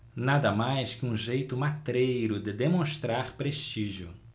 nada mais que um jeito matreiro de demonstrar prestígio